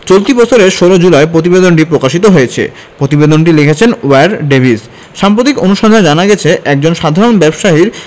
চলতি বছরের ১৬ জুলাই প্রতিবেদনটি প্রকাশিত হয়েছে প্রতিবেদনটি লিখেছেন ওয়্যার ডেভিস সাম্প্রতিক অনুসন্ধানে জানা গেছে একজন সাধারণ ব্যবসায়ীর